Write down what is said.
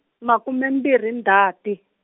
makume mbirhi Ndzati.